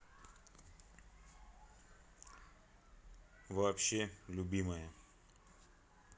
вообще любимая